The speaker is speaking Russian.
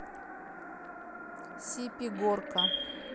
сипи горка